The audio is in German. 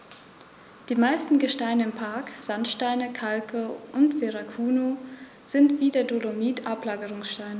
Die meisten Gesteine im Park – Sandsteine, Kalke und Verrucano – sind wie der Dolomit Ablagerungsgesteine.